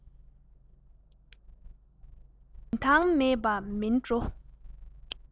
རིན ཐང མེད པ མིན འགྲོ